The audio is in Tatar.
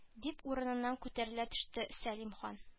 Дип урыныннан күтәрелә төште сәлим хан